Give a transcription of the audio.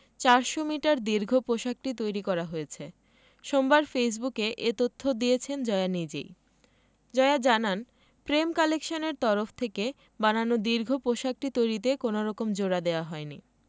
৪০০ metre দীর্ঘ পোশাকটি তৈরি করা হয়েছে সোমবার ফেসবুকে এ তথ্য দিয়েছেন জয়া নিজেই জয়া জানান প্রেম কালেকশন এর তরফ থেকে বানানো দীর্ঘ পোশাকটি তৈরিতে কোনো রকম জোড়া দেয়া হয়নি